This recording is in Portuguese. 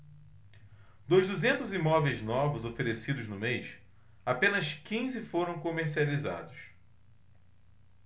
dos duzentos imóveis novos oferecidos no mês apenas quinze foram comercializados